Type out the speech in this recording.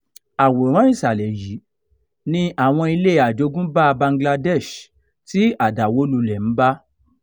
Àwòrán ìsàlẹ̀ yìí ni àwọn ilé àjogúnbáa Bangladeshi tí àdàwólulẹ̀ ń bá: